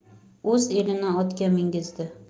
o'z elini otga mingizdi